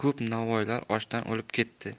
ko'p novvoylar ochdan o'lib ketdi